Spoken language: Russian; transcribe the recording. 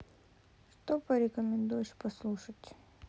что порекомендуешь послушать